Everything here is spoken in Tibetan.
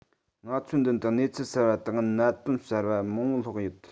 ང ཚོའི མདུན དུ གནས ཚུལ གསར པ དང གནད དོན གསར པ མང པོ ལྷགས ཡོད